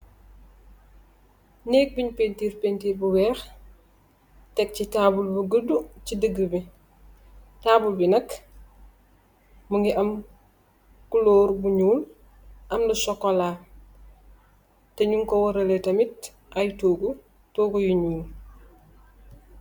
Niig bunj painteur painteur bu weex, teeg ci tabul bu guda ci diga bi, tabul bi nak mingi am kolor bu nyuul, am lo sokolaa, te nyu ko warela tamit ay toogu, toogu yu nyuul